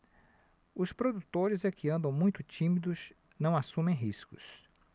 os produtores é que andam muito tímidos não assumem riscos